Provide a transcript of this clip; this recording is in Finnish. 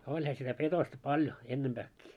olihan sitä petosta paljon ennempääkin